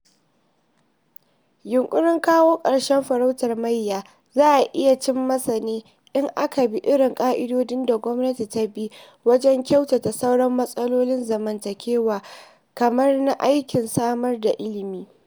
Yunƙurin kawo ƙarshen farautar mayya za a iya cimmasa ne in aka bi irin ƙa'idojin da gwamnati ta bi wajen kyautata sauran matsalolin zamntakewa kamar na aikin samar da ilimi.